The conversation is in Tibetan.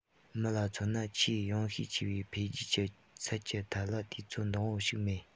མི ལ མཚོན ན ཆེས ཡོང ཤས ཆེ བའི འཕེལ རྒྱས ཀྱི ཚད ཀྱི ཐད ལ དུས ཚོད འདང པོ ཞིག མེད